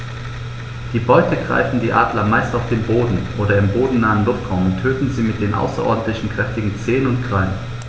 Die Beute greifen die Adler meist auf dem Boden oder im bodennahen Luftraum und töten sie mit den außerordentlich kräftigen Zehen und Krallen.